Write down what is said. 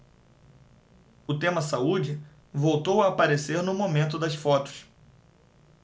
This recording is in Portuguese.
o tema saúde voltou a aparecer no momento das fotos